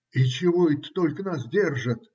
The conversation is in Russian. - И чего это только нас держат?